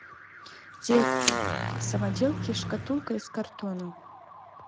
детки самоделки шкатулка из картона